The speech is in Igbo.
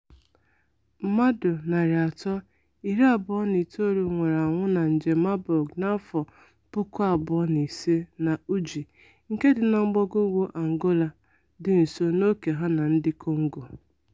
Mmadụ 329 nwụrụ anwụ na nje Marburg n'afọ 2005 n'Uige nke dị na mgbagougwu Angola, dị nso n'oke ha na ndị DR Congo.